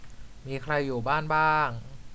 มีใครอยู่บ้านบ้าง